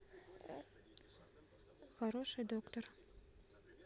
хороший доктор